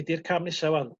be 'di'r cam nesia 'ŵan?